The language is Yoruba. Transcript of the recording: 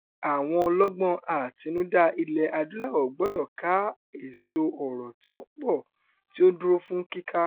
Àwọn ọlọ́gbọ́n àtinudá Ilẹ̀-Adúláwọ̀ gbọdọ̀ 'ká èso ọrọ̀ tí ó pọ̀ tí ó ń dúró fún kíká'